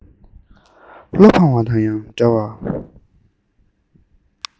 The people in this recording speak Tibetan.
བློ ཕངས བ དང ཡང འདྲ བར